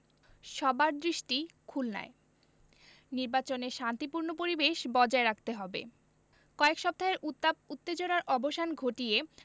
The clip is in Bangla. সবার দৃষ্টি খুলনায় নির্বাচনে শান্তিপূর্ণ পরিবেশ বজায় রাখতে হবে কয়েক সপ্তাহের উত্তাপ উত্তেজনার অবসান ঘটিয়ে